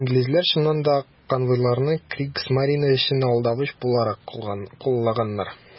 Инглизләр, чыннан да, конвойларны Кригсмарине өчен алдавыч буларак кулланганнар.